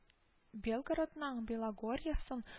Белгородның Белогорьесын